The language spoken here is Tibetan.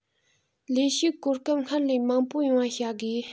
ལས ཞུགས གོ སྐབས སྔར ལས མང པོ ཡོང བ བྱ དགོས